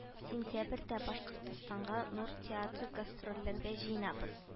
Сентябрьдә башкортстанга нур театры гастрольләргә җыенабыз